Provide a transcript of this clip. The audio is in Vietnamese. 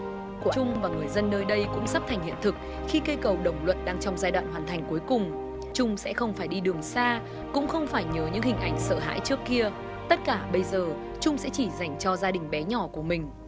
chung và người dân nơi đây cũng sắp thành hiện thực khi cây cầu đồng luận đang trong giai đoạn hoàn thành cuối cùng chung sẽ không phải đi đường xa cũng không phải nhớ những hình ảnh sợ hãi trước kia tất cả bây giờ chung sẽ chỉ dành cho gia đình bé nhỏ của mình